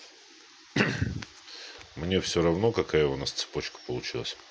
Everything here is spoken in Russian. мне все равно какая у нас цепочка получилась